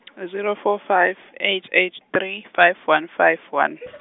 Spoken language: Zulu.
zero four five, eight eight three, five one five one .